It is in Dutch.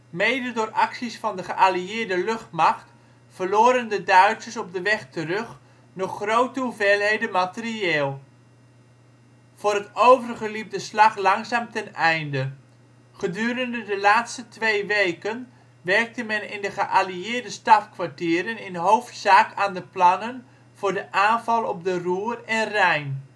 Mede door acties van de geallieerde luchtmacht verloren de Duitsers op de weg terug nog grote hoeveelheden materieel. Voor het overige liep de slag langzaam ten einde. Gedurende de laatste twee weken werkte men in de geallieerde stafkwartieren in hoofdzaak aan de plannen voor de aanval op de Roer en Rijn